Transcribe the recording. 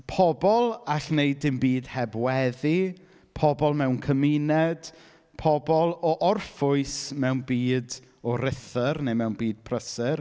Pobol all wneud dim byd heb weddi. Pobol mewn cymuned. Pobol o orffwys mewn byd o rythr neu mewn byd prysur.